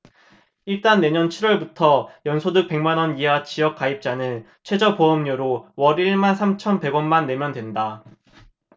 일단 내년 칠 월부터 연소득 백 만원 이하 지역가입자는 최저보험료로 월 일 만 삼천 백 원만 내면 된다